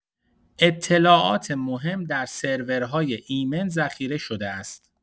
اطلاعات مهم در سرورهای ایمن ذخیره‌شده است.